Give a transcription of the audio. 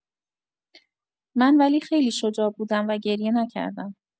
من ولی خیلی شجاع بودم و گریه نکردم.